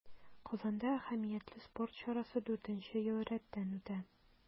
Казанда әһәмиятле спорт чарасы дүртенче ел рәттән үтә.